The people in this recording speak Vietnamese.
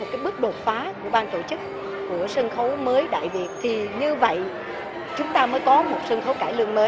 cái bước đột phá của ban tổ chức của sân khấu mới đại việt thì như vậy chúng ta mới có một sân khấu cải lương mới